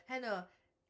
Heno.